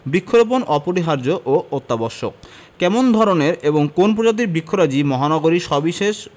বৃক্ষরোপণ অপরিহার্য ও অত্যাবশ্যক কেমন ধরনের এবং কোন্ প্রজাতির বৃক্ষরাজি মহানগরীর সবিশেষ